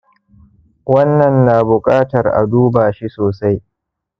wannan na buƙatar a duba shi sosai.